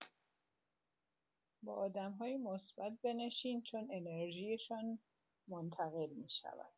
با آدم‌های مثبت بنشین چون انرژی‌شان منتقل می‌شود.